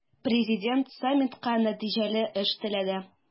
Президент саммитка нәтиҗәле эш теләде.